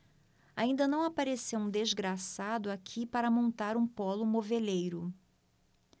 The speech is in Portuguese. ainda não apareceu um desgraçado aqui para montar um pólo moveleiro